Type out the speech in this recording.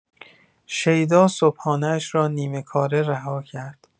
شیدا صبحانه‌اش را نیمه‌کاره رها کرد.